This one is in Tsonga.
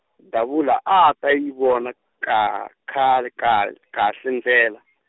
Davula a a ta yi vona ka- khale kahle, kahle ndlela.